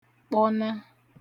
kpọna